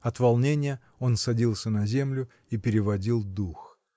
От волнения он садился на землю и переводил дух.